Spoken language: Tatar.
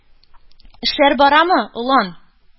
- эшләр барамы, олан? –